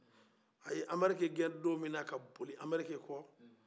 a ye anbarike gɛn don mina ka boli anbarike kɔ